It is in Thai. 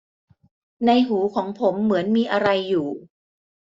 ในหูของผมเหมือนมีอะไรอยู่